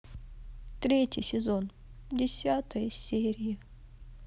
третий сезон десятая серия